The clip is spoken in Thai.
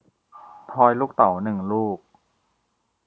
ทอยลูกเต๋าหนึ่งลูก